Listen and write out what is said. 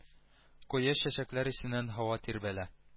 Куе чәчәкләр исеннән һава тирбәлә